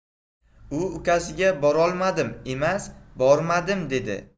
u ukasiga borolmadim emas bormadim dedi